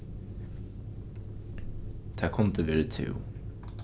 tað kundi verið tú